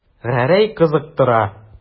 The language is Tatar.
Гәрәй кызыктыра.